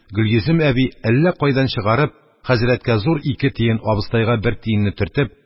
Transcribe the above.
Гөлйөзем әби, әллә кайдан чыгарып, хәзрәткә зур ике тиен, абыстайга бер тиенне төртеп: